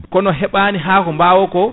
kono heɓani ha ko bawoko